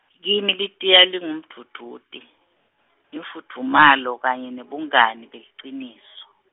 kimi litiya lingumdvudvuti, imfudvumalo, kanye nebungani beliciniso.